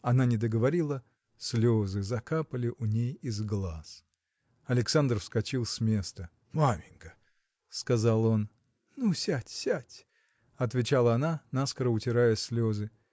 Она не договорила, слезы закапали у ней из глаз. Александр вскочил с места. – Маменька. – сказал он. – Ну, сядь, сядь! – отвечала она наскоро утирая слезы